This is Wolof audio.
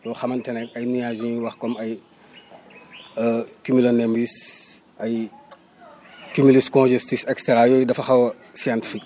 yoo xamante ne ay nuages yu ñuy wax comme ay ay cumulus conjustus et cetera yooyu dafa xaw a scientifique